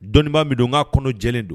Dɔnnibaa min dɔn n k'a kɔnɔ jɛlen don